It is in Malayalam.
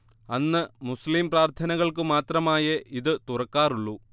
അന്ന് മുസ്ലിം പ്രാർത്ഥനകൾക്കു മാത്രമായേ ഇത് തുറക്കാറുള്ളൂ